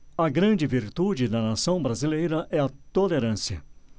a grande virtude da nação brasileira é a tolerância